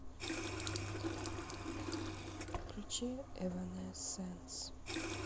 включи эванесенс